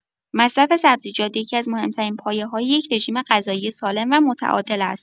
مصرف سبزیجات یکی‌از مهم‌ترین پایه‌های یک رژیم‌غذایی سالم و متعادل است.